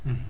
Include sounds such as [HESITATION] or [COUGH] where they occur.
[HESITATION] [HESITATION]